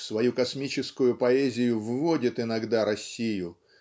в свою космическую поэзию вводит иногда Россию